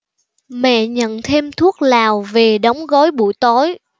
mẹ nhận thêm thuốc lào về đóng gói buổi tối